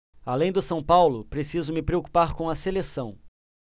além do são paulo preciso me preocupar com a seleção